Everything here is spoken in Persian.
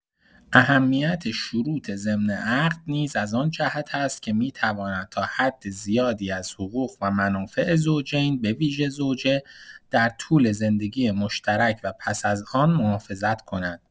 اهمیت شروط ضمن عقد نیز از آن جهت است که می‌تواند تا حد زیادی از حقوق و منافع زوجین، به‌ویژه زوجه، در طول زندگی مشترک و پس از آن محافظت کند.